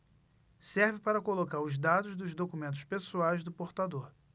serve para colocar os dados dos documentos pessoais do portador